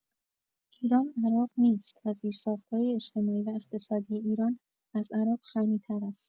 ایران عراق نیست و زیرساخت‌های اجتماعی و اقتصادی ایران از عراق غنی‌تر است.